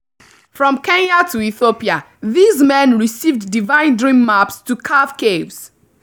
From Kenya to Ethiopia, these men received divine dream ‘maps’ to carve caves